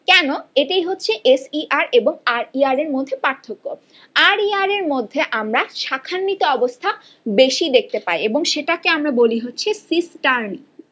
কেন এটাই হচ্ছে এস ই আর এবং আর ই আর এর মধ্যে পার্থক্য আর ই আর এর মধ্যে আমরা শাখান্বিত অবস্থা বেশি দেখতে পাই এবং সেটাকে আমরা বলি হচ্ছে সিস্টার্নি